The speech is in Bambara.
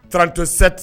Tarritosɛte